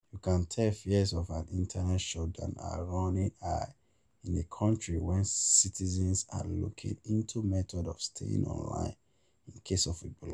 You can tell fears of an internet shutdown are running high in a country when citizens are looking into methods of staying online in case of a blockage.